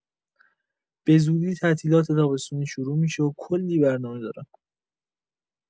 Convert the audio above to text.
بزودی تعطیلات تابستونی شروع می‌شه و کلی برنامه دارم.